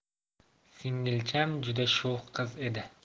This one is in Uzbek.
singilcham juda sho'x qiz edi